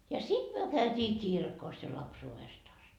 ja sitten me käytiin kirkossa ja lapsuudesta asti